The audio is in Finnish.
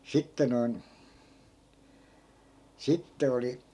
sitten noin sitten oli